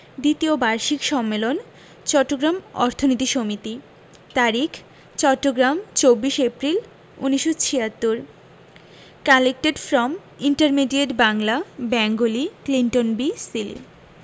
দ্বিতীয় বার্ষিক সম্মেলন চট্টগ্রাম অর্থনীতি সমিতি তারিখ চট্টগ্রাম ২৪এপ্রিল ১৯৭৬ collected from intermediate Bangla Bengali Clinton B Seely